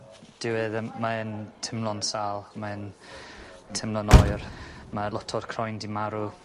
dyw e ddim... Mae e'n timlo'n sâl mae'n timlo'n oer ma' lot o'r croen 'di marw.